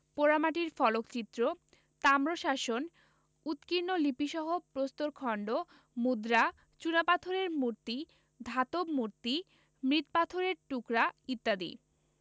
পোড়ামাটির ফলকচিত্র তাম্রশাসন উৎকীর্ণ লিপিসহ প্রস্তরখন্ড মুদ্রা চূনাপাথরের মূর্তি ধাতব মূর্তি মৃৎপাত্রের টুকরা ইত্যাদি